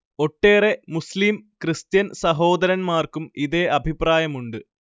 ഒട്ടേറെ മുസ്ളീം കൃസ്ത്യൻ സഹോദരന്മാർക്കും ഇതേ അഭിപ്രായമുണ്ട്